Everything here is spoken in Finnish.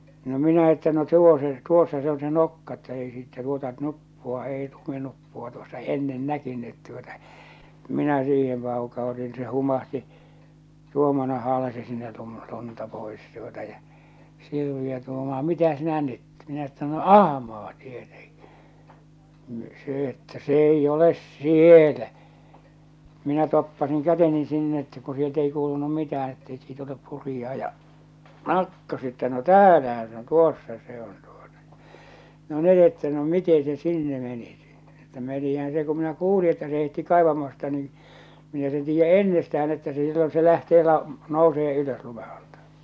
no minä että no tuo se tuossa se on se nokka että ei siitä tuota nuppua ei luminuppua tuossa ennen näkynyt tuota minä siihen paukautin no se humahti tuon minä haalasin sinne - lunta pois tuota ja Sirviö tuumaa mitä sinä nyt minä että no ahmaa tietenkin niin se että se ei ole siellä minä toppasin käteni sinne että kun sieltä ei kuulunut mitään että eikö siitä ole purijaa ja katsoi se että no täällähän se on tuossa se on tuota ja no ne että no miten se sinne meni - että no menihän se kun minä kuulin että se heitti kaivamasta niin minä sen tiedän ennestään että se silloin se lähtee - nousee ylös lumen alta